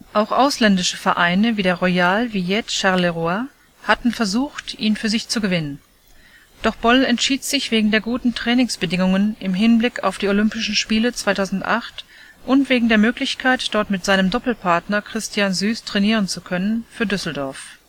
Auch ausländische Vereine wie der Royal Villette Charleroi hatten versucht, ihn für sich zu gewinnen, doch Boll entschied sich wegen der guten Trainingsbedingungen im Hinblick auf die Olympischen Spiele 2008 und wegen der Möglichkeit, dort mit seinem Doppelpartner Christian Süß trainieren zu können, für Düsseldorf